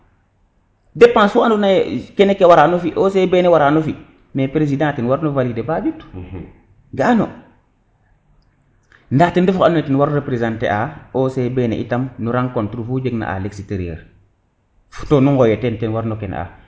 depense fu ando naye kene ke warano fi OCB ne warano fi mais president ten warno valider ba ƴut ga ano nda ten ref oxe ando naye ten waru representer a OCB ne itam no rencontre fu jeg na a l' exterieur to nu ngoye ten ten warno kene a